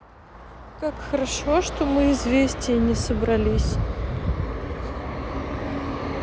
как хорошо что мы известия не собрались